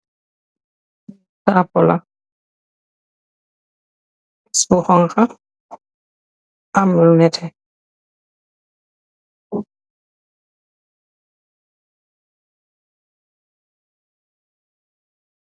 Li darap pulah si lu xong kha am lu neteh